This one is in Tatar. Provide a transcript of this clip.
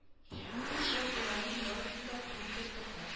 Күр шад боларның барысын да корып отырды